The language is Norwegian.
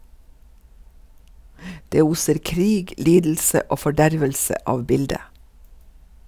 Det oser krig, lidelse og fordervelse av bildet.